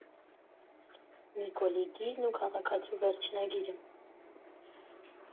Նիկոլի գիրն ու քաղաքացու վերջնագիրը։